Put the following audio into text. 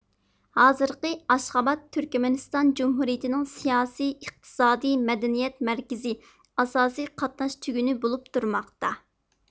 ھازىرقى ئاشخاباد تۈركمەنىستان جۇمھۇرىيىتىنىڭ سىياسىي ئىقتسادىي مەدەنىيەت مەركىزى ئاساسىي قاتناش تۈگۈنى بولۇپ تۇرماقتا